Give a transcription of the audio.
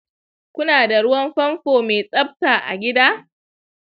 kuna da ruwan famfo mai tsabta a gida?